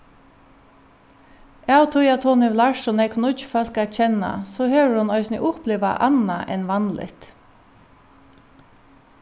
av tí at hon hevur lært so nógv nýggj fólk at kenna so hevur hon eisini upplivað annað enn vanligt